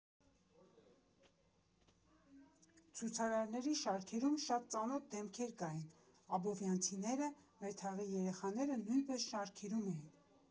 Ցուցարարների շարքերում շատ ծանոթ դեմքեր կային, աբովյանցիները, մեր թաղի երեխաները նույնպես շարքերում էին։